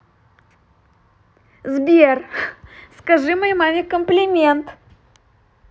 сбер скажи моей маме комплимент